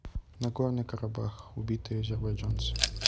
нагорный карабах убитые азербайджанцы